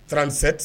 37